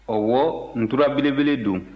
ɔwɔ ntura belebele don